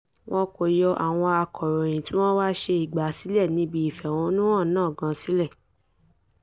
Wọn kò yọ àwọn akọ̀ròyìn tí wọ́n wá ṣe ìgbàsílẹ̀ níbi ìfẹ̀hónúhàn náà gan sílẹ̀.